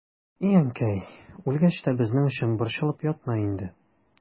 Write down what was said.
И әнкәй, үлгәч тә безнең өчен борчылып ятма инде.